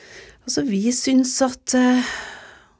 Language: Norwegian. altså vi synes at.